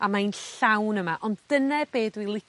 a mae'n llawn yma ond dyne be' dwi